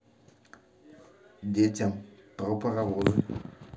детям про паровозы